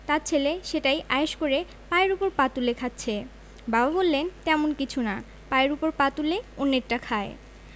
তার ছেলে সেটাই আয়েশ করে পায়ের ওপর পা তুলে খাচ্ছে বাবা বললেন তেমন কিছু না পায়ের ওপর পা তুলে অন্যেরটা খায়